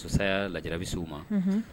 Muso saya lajarabi s'u ma. Unhun